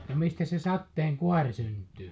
no mistä se sateen kaari syntyy